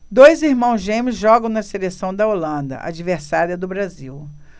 dois irmãos gêmeos jogam na seleção da holanda adversária do brasil